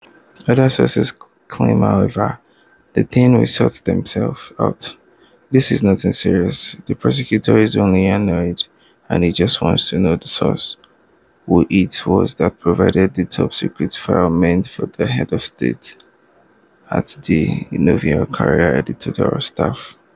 Other sources claim however that things will sort themselves out, “there is nothing serious, the Prosecutor is only annoyed and he just wants to know the source, who it was that provided the top-secret file meant for the head of the state, at the Nouveau Courrier editorial staff.